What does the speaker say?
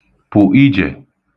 pụ̀ ijè